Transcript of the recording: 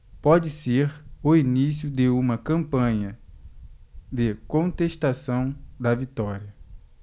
pode ser o início de uma campanha de contestação da vitória